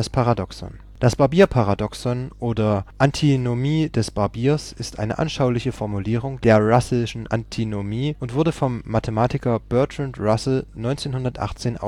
Barbier-Paradoxon oder Antinomie des Barbiers ist eine anschauliche Formulierung der Russellschen Antinomie und wurde vom Mathematiker Bertrand Russell 1918